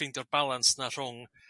ffeindio'r balans na rhwng